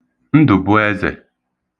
Ndụ̀bụezè